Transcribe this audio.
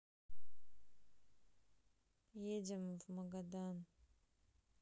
едем в магадан